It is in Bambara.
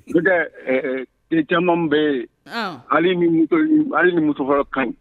Eee tile caman bɛ yen hali hali ni muso fɔlɔ kan